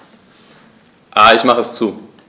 Ich mache es zu.